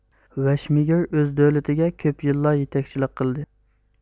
ۋەشمېگىر ئۆز دۆلىتىگە كۆپ يىللار يېتەكچىلىك قىلدى